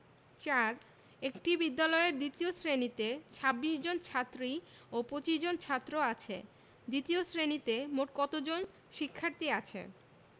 ৪ একটি বিদ্যালয়ের দ্বিতীয় শ্রেণিতে ২৬ জন ছাত্রী ও ২৫ জন ছাত্র আছে দ্বিতীয় শ্রেণিতে মোট কত জন শিক্ষার্থী আছে